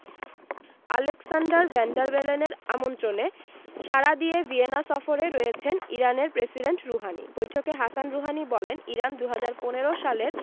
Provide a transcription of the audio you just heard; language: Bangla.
আলেক্সান্ডার ভ্যান ডার বেলেনের আমন্ত্রণে সাড়া দিয়ে ভিয়েনা সফরে রয়েছেন ইরানের প্রেসিডেন্ট রুহানি বৈঠকে হাসান রুহানি বলেন ইরান ২০১৫ সালের